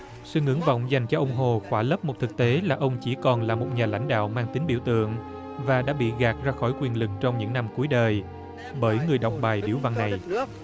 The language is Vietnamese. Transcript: sự ngưỡng vọng dành cho ông hồ khỏa lấp một thực tế là ông chỉ còn là một nhà lãnh đạo mang tính biểu tượng và đã bị gạt ra khỏi quyền lực trong những năm cuối đời bởi người đọc bài điếu văn này